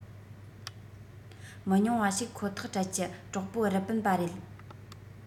མི ཉུང བ ཞིག ཁོ ཐག སྤྲད ཀྱི གྲོགས པོ རི པིན པ རེད